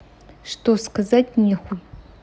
что сказать нехуй